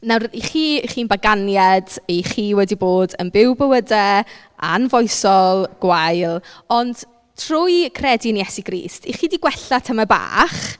Nawr y' chi... y' chi'n baganiad, y' chi wedi bod yn byw bywydau anfoesol gwael, ond trwy credu'n Iesu Grist y' chi 'di gwella tamaid bach.